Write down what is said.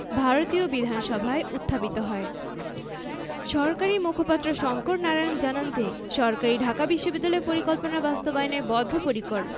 ভারতীয় বিধানসভায় উত্থাপিত হয় সরকারি মুখপাত্র শঙ্কর নারায়ণ জানান যে সরকার ঢাকা বিশ্ববিদ্যালয় পরিকল্পনা বাস্তবায়নে বদ্ধপরিকর